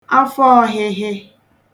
afọ ọ̀hịhị